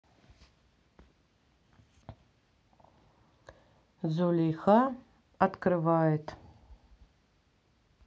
зулейха открывает